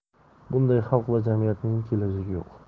bunday xalq va jamiyatning kelajagi yo'q